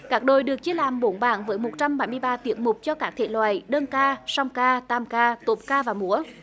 các đội được chia làm bốn bảng với một trăm bảy mươi ba tiết mục cho các thể loại đơn ca song ca tam ca tốp ca và múa